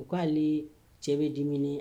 U k'alee cɛ be dimine